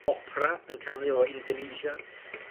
opra yn canu o Indonesia.